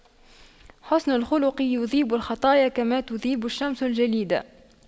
حُسْنُ الخلق يذيب الخطايا كما تذيب الشمس الجليد